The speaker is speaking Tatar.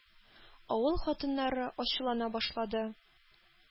Авыл хатыннары ачулана башлады.